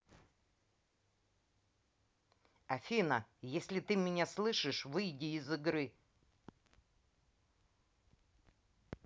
афина если ты меня слышишь выйти из игры